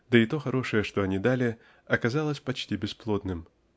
Да и то хорошее, что они дали, оказалось почти бесплодным